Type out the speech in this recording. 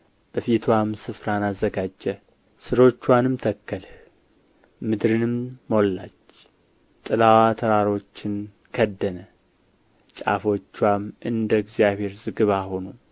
በፊትዋም ስፍራን አዘጋጀህ ሥሮችዋንም ተከልህ ምድርንም ሞላች ጥላዋ ተራሮችን ከደነ ጫፎችዋም እንደ እግዚአብሔር ዝግባ ሆኑ